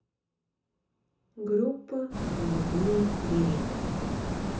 группа голубые береты